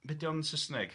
Be di o'n Sisneg?